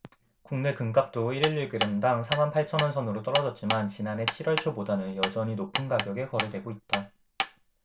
국내 금값도 일 일 일 그램당 사 만 팔천 원 선으로 떨어졌지만 지난해 칠 월 초보다는 여전히 높은 가격에 거래되고 있다